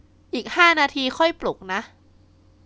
อีกห้านาทีค่อยปลุกนะ